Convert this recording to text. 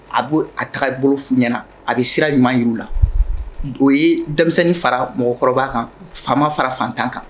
A b'o, a taga bolo f'u ɲɛna, a bɛ sira ɲuman jira u la. O ye denmisɛnnin fara mɔgɔkɔrɔba kan, faama fara fantan kan